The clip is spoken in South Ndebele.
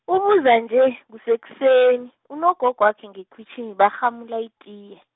ubuza nje, kusekuseni, unogogwakhe ngekhwitjhini, barhamula itiye.